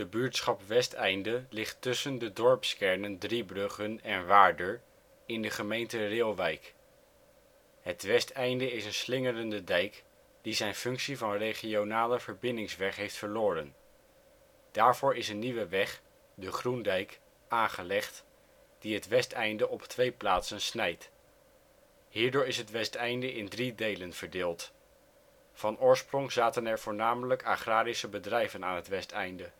buurtschap Westeinde ligt tussen de dorpskernen Driebruggen en Waarder in de gemeente Reeuwijk. Het Westeinde is een slingerende dijk, die zijn functie van regionale verbindingsweg heeft verloren. Daarvoor is een nieuwe weg (De Groendijck) aangelegd, die het Westeinde op twee plaatsen snijdt. Hierdoor is het Westeinde in drie delen verdeeld. Van oorsprong zaten er voornamelijk agrarische bedrijven aan het Westeinde